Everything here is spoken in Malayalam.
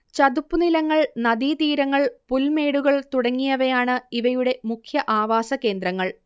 ചതുപ്പുനിലങ്ങൾ നദീതീരങ്ങൾ പുൽമേടുകൾ തുടങ്ങിയവയാണ് ഇവയുടെ മുഖ്യ ആവാസകേന്ദ്രങ്ങൾ